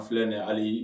Fi na hali